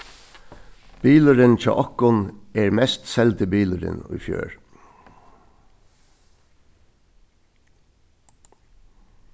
bilurin hjá okkum er mest seldi bilurin í fjør